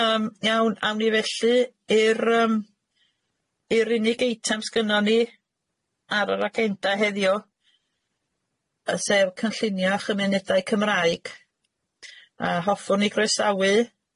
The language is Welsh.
Yym iawn awn ni felly i'r yym i'r unig eitem sgynnon ni ar yr agenda heddiw yy sef cynllunio chymenedau Cymraeg a hoffwn i groesawu